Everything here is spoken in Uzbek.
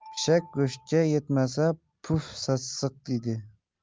pishak go'shtga yetmasa puf sassiq